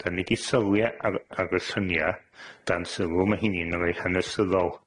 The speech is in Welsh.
'Dan ni 'di sylwi ar ar ar y llynia dan sylw, ma' 'heini'n rei hanesyddol.